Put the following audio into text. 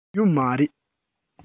ཡོད མ རེད